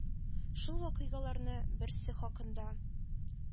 Шул вакыйгаларның берсе хакында